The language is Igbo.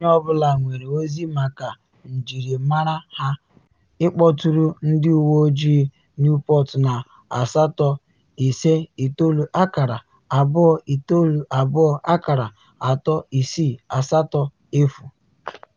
Onye ọ bụla nwere ozi maka njirimara ha kwesịrị ịkpọtụrụ ndị uwe ojii Newport na 859-292-3680.